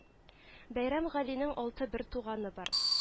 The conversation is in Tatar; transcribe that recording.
Бәйрәмгалинең алты бертуганы бар